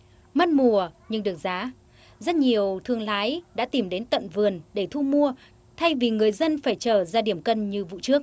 mất mùa nhưng được giá rất nhiều thương lái đã tìm đến tận vườn để thu mua thay vì người dân phải chờ ra điểm cân như vụ trước